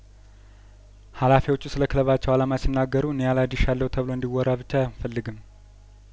በተለይ በእንጪጮ በዳእዳ እምባና በጭላ አካባቢዎች ከፍተኛ ተቃውሞ እንደገጠመው ነው